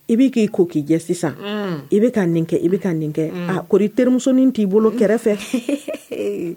I b'i k'i ko k'i jɛ sisan i bɛ ka denkɛ kɛ i bɛ ka denkɛ kɛ a koɔri i teri musoninnin t'i bolo kɛrɛfɛ